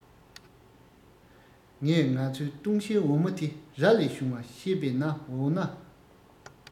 ངས ང ཚོས བཏུང བྱའི འོ མ དེ ར ལས བྱུང བ ཤེས པས ན འོ ན